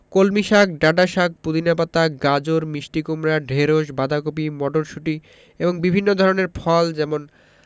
কলমিশাক ডাঁটাশাক পুদিনা পাতা গাজর মিষ্টি কুমড়া ঢেঁড়স বাঁধাকপি মটরশুঁটি এবং বিভিন্ন ধরনের ফল যেমন